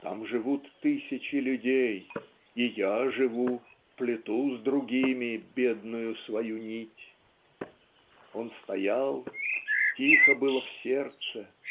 "Там живут тысячи людей, и я живу, плету с другими бедную свою нить. Он стоял. Тихо было в сердце.